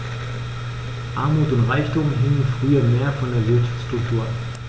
Armut und Reichtum hingen früher mehr von der Wirtschaftsstruktur ab.